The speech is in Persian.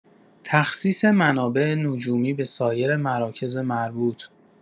تخصیص منابع نجومی به سایر مراکز مربوط